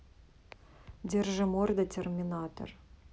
держи морда терминатор